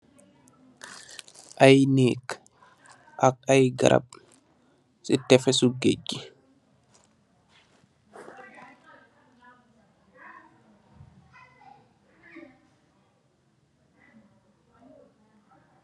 Aye naik, ak aye garap, si tefesu gaig gih.